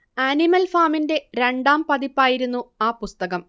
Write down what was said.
animal ഫാമിന്റെ രണ്ടാം പതിപ്പായിരുന്നു ആ പുസ്തകം